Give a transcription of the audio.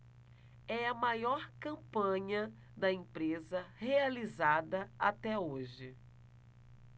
é a maior campanha da empresa realizada até hoje